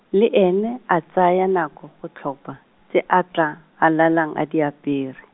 le ene, a tsaya nako, go tlhopha, tse a tla, a lalang a di apere.